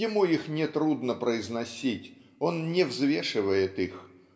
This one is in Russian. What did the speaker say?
Ему их не трудно произносить он не взвешивает их